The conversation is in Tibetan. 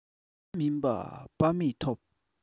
མཁས པ མིན པས དཔའ མི ཐོབ